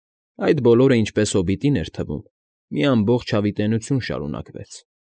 Այդ բոլորը, ինչպես հոբիտին էր թվում, մի ամբողջ հավիտենականություն շարունակվեց։